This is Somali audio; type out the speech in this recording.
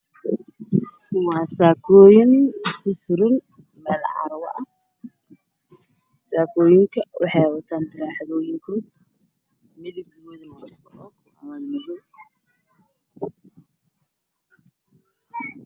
Waa carwo waxa yaalo saakooyin farabadan midabkoodu yihiin madow waana tukaan